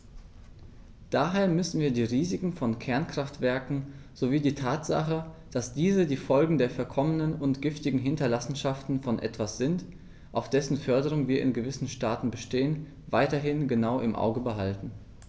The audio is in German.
Daher müssen wir die Risiken von Kernkraftwerken sowie die Tatsache, dass diese die Folgen der verkommenen und giftigen Hinterlassenschaften von etwas sind, auf dessen Förderung wir in gewissen Staaten bestehen, weiterhin genau im Auge behalten.